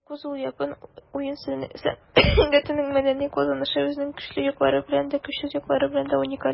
Yakuza - ул япон уен сәнәгатенең мәдәни казанышы, үзенең көчле яклары белән дә, көчсез яклары белән дә уникаль.